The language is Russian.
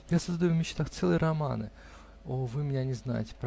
Я создаю в мечтах целые романы. О, вы меня не знаете!